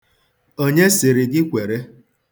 Onye sịrị gị kwere?